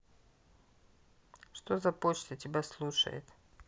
что за почтой тебя слушает